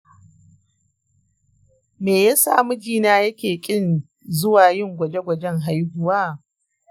me yasa mijina yake ƙin zuwa yin gwaje-gwajen haihuwa?